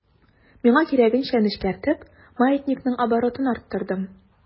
Миңа кирәгенчә нечкәртеп, маятникның оборотын арттырдым.